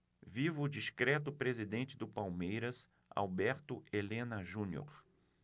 viva o discreto presidente do palmeiras alberto helena junior